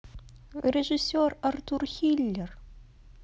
режиссер артур хиллер